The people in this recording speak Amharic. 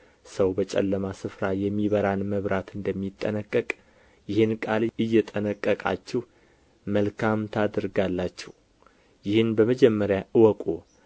ሰው በጨለማ ስፍራ የሚበራን መብራት እንደሚጠነቀቅ ይህን ቃል እየጠነቀቃችሁ መልካም ታደርጋላችሁ ይህን በመጀመሪያ እወቁ